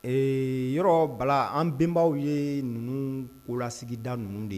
Ee yɔrɔ bala an bɛnenbaw ye ninnu kolasigida ninnu de ye